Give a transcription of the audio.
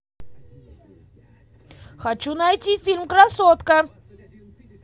хочу найти фильм красотка